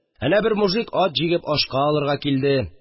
Әнә бер мужик, ат җигеп, ашка алырга килде